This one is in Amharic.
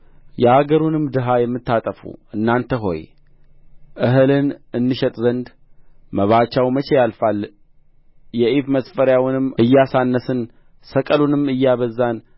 የአገሩንም ድሀ የምታጠፉ እናንተ ሆይ እህልን እንሸጥ ዘንድ መባቻው መቼ ያልፋል የኢፍ መስፈሪያውንም እያሳነስን ሰቅሉንም እያበዛን